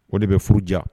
O de bɛ furu ja.